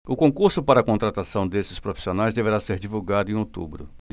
o concurso para contratação desses profissionais deverá ser divulgado em outubro